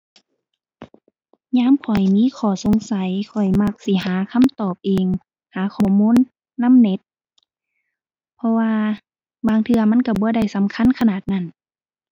ยามข้อยมีข้อสงสัย ข้อยมักสิหาคำตอบเอง หาข้อมูลนำเน็ต เพราะว่าบางเทื่อมันก็บ่ได้สำคัญขนาดนั้น